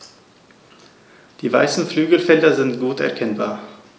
Die weißen Flügelfelder sind gut erkennbar.